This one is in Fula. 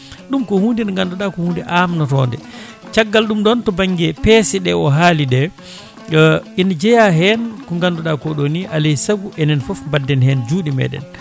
ɗum ko hunde nde ganduɗa ko hunde amnotode caggal ɗum ɗon to banggue peese ɗe o haali ɗe ina jeeya hen ko ganduɗa koɗo ni aleysaago enen foof mbadden hen juuɗe meɗen